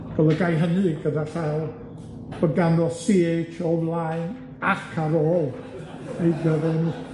Golygai hynny gyda llaw bod ganddo See Haitch o flaen ac ar ôl ei gyfenw.